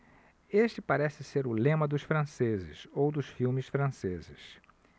este parece ser o lema dos franceses ou dos filmes franceses